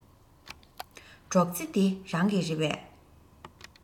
སྒྲོག རྩེ འདི རང གི རེད པས